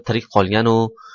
tirik qolgan ku